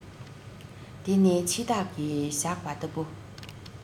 དེ ནི འཆི བདག གི ཞགས པ ལྟ བུ